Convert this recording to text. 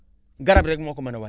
garab rek moo ko mën a wàññi